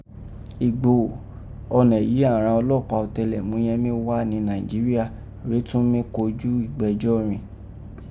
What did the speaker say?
Igboho, ọnẹ yìí àghan ọlọpaa ọtẹlẹmuyẹ mi wa ni Naijiria rèé tọ́n mí kòjú igbẹjọ rin.